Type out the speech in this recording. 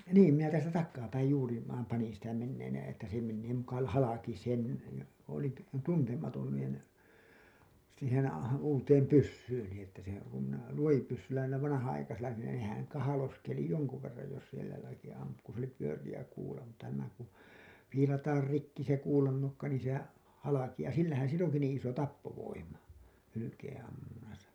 niin minä täältä takaapäin juuri vain panin sitä menemään että se menee muka - halki sen ja olin - tuntematon niin siihen uuteen pyssyyni että se kun minä luotipyssyllä niillä vanhanaikaisilla niin ne nehän kahloskeli jonkun verran jos siellä jotakin ampui kun se oli pyöreä kuula mutta nämä kun viilataan rikki se kuulannokka niin sehän halkeaa sillähän sillä onkin niin iso tappovoima hylkeenammunnassa